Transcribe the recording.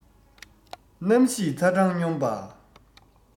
གནམ གཤིས ཚ གྲང སྙོམས པ